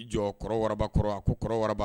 I jɔ kɔrɔ kɔrɔ a ko kɔrɔ